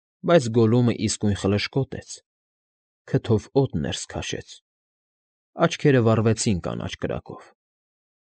Բայց Գոլլումը իսկույն խլշկոտեց, քթով օդ ներս քաշեց, աչքերը վառվեցին կանաչ կրակով։